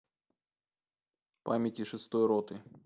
памяти шестой роты